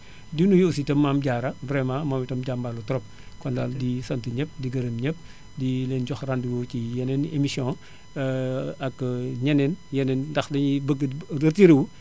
di nuyu aussi itam Mame Diarra vraiment moom itam jàmbaar la trop kon daal ñu ngi sant ñëpp di gërëm ñëpp di leen jox rendez vous ci yeneen i émission ak ñeneen yeneen ndax dañuy bëgg retiré wu